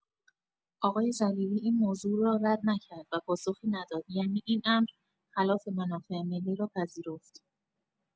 اقای جلیلی این موضوع را رد نکرد و پاسخی نداد یعنی این امر خلاف منافع ملی را پذیرفت.